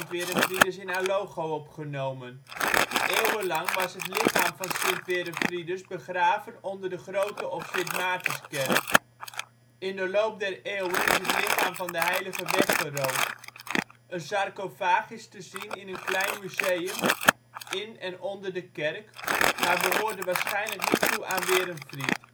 Werenfridus in haar logo opgenomen. Eeuwenlang was het lichaam van Sint Werenfridus begraven onder de Grote of St. Maartenskerk. In de loop der eeuwen is het lichaam van de heilige weggeroofd. Een sarcofaag is te zien in een klein museum in en onder de kerk, maar behoorde waarschijnlijk niet toe aan Werenfried